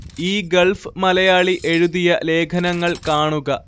ഈ ഗൾഫ് മലയാളി എഴുതിയ ലേഖനങ്ങൾ കാണുക